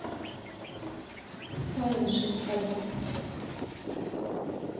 сталин шесть кадров